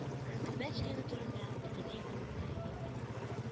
Хөкүмәт члены турында бөтенләй оныткан иде инде